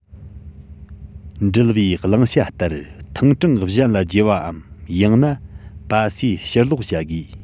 འགྲུལ པའི བླང བྱ ལྟར ཐེངས གྲངས གཞན ལ བརྗེས པའམ ཡང ན པ སེ ཕྱིར སློག བྱ དགོས